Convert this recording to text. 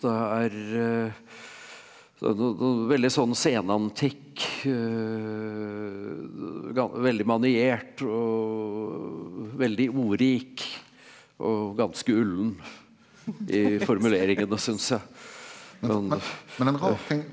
det er veldig sånn senantikk veldig maniert og veldig ordrik og ganske ullen i formuleringene syns jeg sånn .